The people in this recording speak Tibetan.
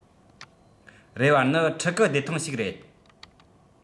རེ བར ནི ཕྲུ གུ བདེ ཐང ཞིག རེད